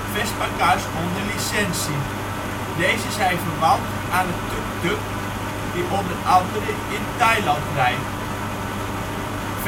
Vespacars onder licentie. Deze zijn verwant aan het tuktuk, die onder andere in Thailand rijdt. Vespa/Piaggio